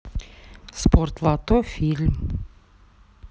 спортлото фильм